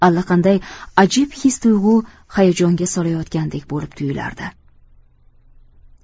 allaqanday ajib his tuyg'u hayajonga solayotgandek bo'lib tuyulardi